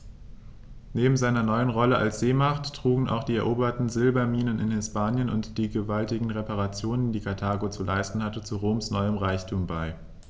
Neben seiner neuen Rolle als Seemacht trugen auch die eroberten Silberminen in Hispanien und die gewaltigen Reparationen, die Karthago zu leisten hatte, zu Roms neuem Reichtum bei.